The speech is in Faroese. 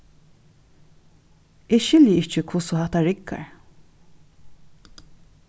eg skilji ikki hvussu hatta riggar